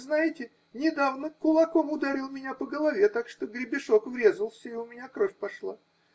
Знаете, недавно кулаком ударил меня по голове, так что гребешок врезался и у меня кровь пошла.